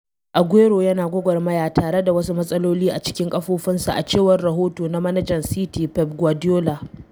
“Aguero yana gwagwarmaya tare da wasu matsaloli a cikin ƙafofinsa,” a cewar rahoto na manajan City Pep Guardiola.